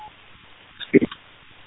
Sepe-.